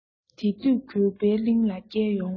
དེ དུས འགྱོད པའི གླིང ལ བརྒྱབ ཡོང ངོ